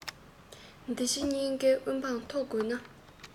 འདི ཕྱི གཉིས ཀྱི དབུ འཕངས མཐོ དགོས ན